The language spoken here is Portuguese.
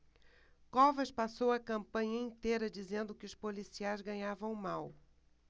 covas passou a campanha inteira dizendo que os policiais ganhavam mal